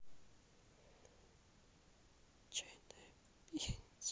чайная пьяница